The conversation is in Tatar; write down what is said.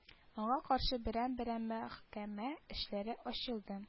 Аңа каршы берәм-берәм мәхкәмә эшләре ачылды